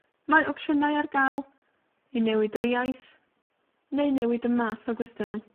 Mae opswnau ar ga'l i newid yr iaith, neu newid y math o gwestiynau.